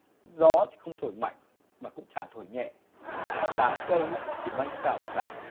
gió thì không thổi mạnh mà cũng chả thổi nhẹ lá cây thì bay xào xạc